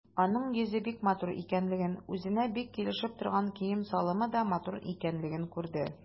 Аның йөзе бик матур икәнлеген, үзенә бик килешеп торган кием-салымы да матур икәнлеген күрде.